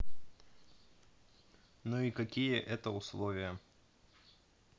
ну и какие это условия